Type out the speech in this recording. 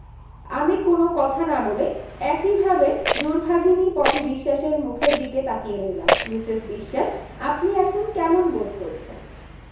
আমি কোনো কথা না বলে একিভাবে দুর্ভাগিনী পপি বিশ্বাসের মুখের দিকে তাকিয়ে রইলাম মিসেস বিশ্বাস আপনি এখন কেমন বোধ করছেন